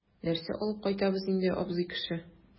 Нәрсә алып кайтабыз инде, абзый кеше?